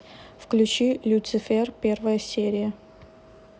включи люцифер первая серия